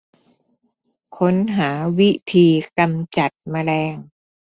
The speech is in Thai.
ค้นหาวิธีกำจัดแมลง